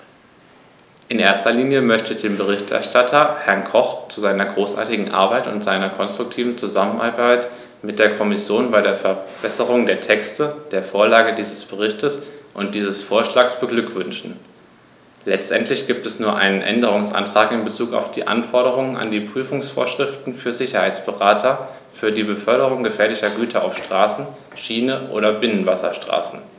In erster Linie möchte ich den Berichterstatter, Herrn Koch, zu seiner großartigen Arbeit und seiner konstruktiven Zusammenarbeit mit der Kommission bei der Verbesserung der Texte, der Vorlage dieses Berichts und dieses Vorschlags beglückwünschen; letztendlich gibt es nur einen Änderungsantrag in bezug auf die Anforderungen an die Prüfungsvorschriften für Sicherheitsberater für die Beförderung gefährlicher Güter auf Straße, Schiene oder Binnenwasserstraßen.